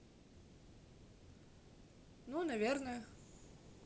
ну наверное